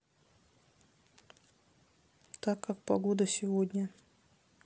так как погода сегодня